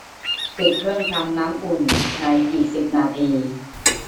ปิดเครื่องทำน้ำอุ่นในอีกสิบนาที